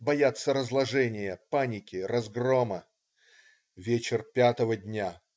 Боятся разложения, паники, разгрома. Вечер пятого дня.